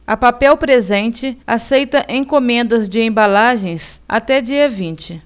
a papel presente aceita encomendas de embalagens até dia vinte